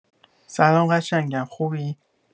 سلام قشنگم خوبی